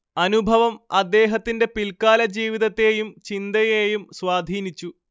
അനുഭവം അദ്ദേഹത്തിന്റെ പിൽക്കാലജീവിതത്തേയും ചിന്തയേയും സ്വാധീനിച്ചു